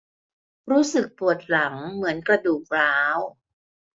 รู้สึกปวดหลังเหมือนกระดูกร้าว